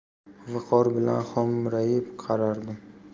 viqor bilan xo'mrayib qarardim